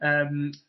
yym